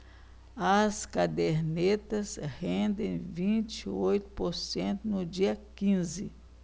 as cadernetas rendem vinte e oito por cento no dia quinze